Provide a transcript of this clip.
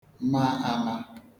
ma ama